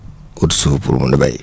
ut suuf pour :!fra mun a béy